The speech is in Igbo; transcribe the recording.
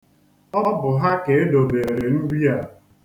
Ọ bụ ha ka e dobeere nri a.